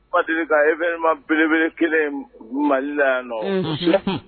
Ba deli e bɛmabelebele kelen in mali la yan nɔ